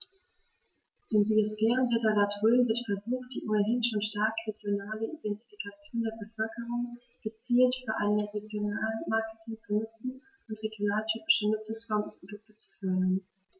Im Biosphärenreservat Rhön wird versucht, die ohnehin schon starke regionale Identifikation der Bevölkerung gezielt für ein Regionalmarketing zu nutzen und regionaltypische Nutzungsformen und Produkte zu fördern.